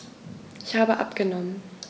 Ich habe abgenommen.